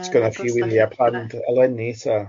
S'gynno ti wylia'n planned leni ta?